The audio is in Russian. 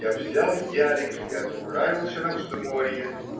я взял ялик и отправился на взморье.